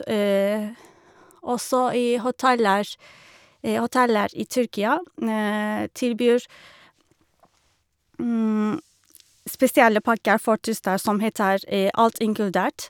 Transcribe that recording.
Også i hoteller hoteller i Tyrkia tilbyr spesielle pakker for turister som heter alt inkludert.